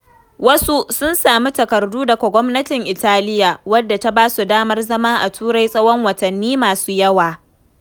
Wasu sun samu takardu daga Gwamnatin Italia, wadda ta ba su damar zama a Turai tsawon watanni masu yawa.